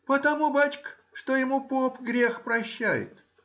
— Потому, бачка, что ему поп грех прощает.